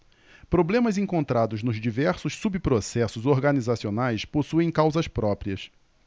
problemas encontrados nos diversos subprocessos organizacionais possuem causas próprias